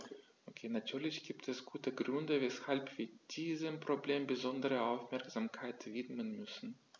Natürlich gibt es gute Gründe, weshalb wir diesem Problem besondere Aufmerksamkeit widmen müssen.